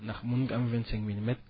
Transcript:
ndax mun nga am vingt cinq milimètres